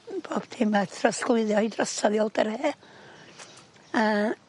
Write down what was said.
bob dim a throsglwyddio 'i drosodd Alderhay yy